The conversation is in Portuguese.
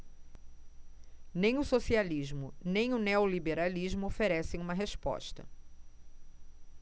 nem o socialismo nem o neoliberalismo oferecem uma resposta